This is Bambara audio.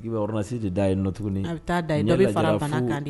I de da